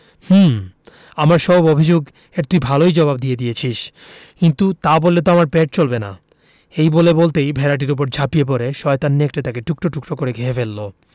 হুম আমার সব অভিযোগ এর তুই ভালই জবাব দিয়ে দিয়েছিস কিন্তু তা বললে তো আর আমার পেট চলবে না এই বলতে বলতেই ভেড়াটার উপর ঝাঁপিয়ে পড়ে শয়তান নেকড়ে তাকে টুকরো টুকরো করে খেয়ে ফেলল